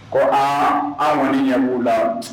Ko aa, aw kɔni ɲɛ b'u la